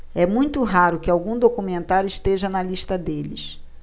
é muito raro que algum documentário esteja na lista deles